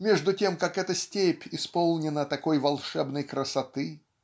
между тем как эта степь исполнена такой волшебной красоты